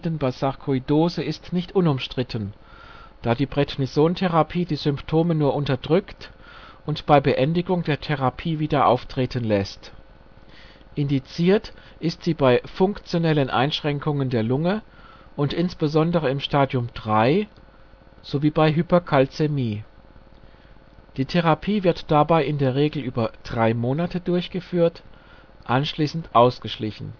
bei Sarkoidose ist nicht unumstritten, da die Prednisontherapie die Symptome nur unterdrückt und bei Beendigung der Therapie wieder auftreten lässt. Indiziert ist sie bei funktioneller Einschränkungen der Lunge und insbesondere im Stadium III oder bei Hyperkalzämie. Die Therapie wird dabei in der Regel über drei Monate durchgeführt, anschließend ausgeschlichen